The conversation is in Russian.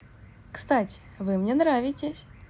кстати вы мне нравитесь